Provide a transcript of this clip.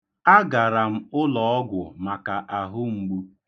Agara m ụlọọgwu maka ahụmgbu.